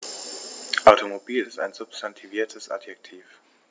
Automobil ist ein substantiviertes Adjektiv.